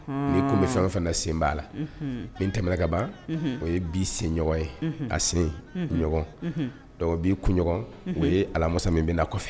N kun bɛ fɛn o fɛn sen b' la bin tɛmɛɛna ka ban o ye bi senɲɔgɔn ye ka sen ɲɔgɔn' kunɲɔgɔn o ye alamasa min bɛnana kɔfɛ